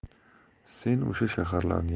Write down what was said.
sen o'sha shaharlarni